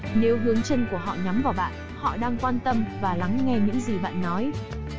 nếu hướng chân của họ nhắm vào bạn họ đang quan tâm và lắng nghe những gì bạn nói